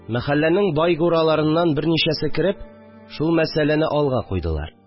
Мәхәлләнең байгураларынан берничәсе, кереп, шул мәсьәләне алга куйдылар